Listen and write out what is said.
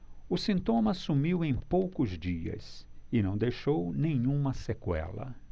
o sintoma sumiu em poucos dias e não deixou nenhuma sequela